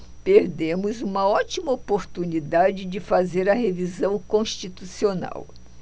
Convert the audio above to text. perdemos uma ótima oportunidade de fazer a revisão constitucional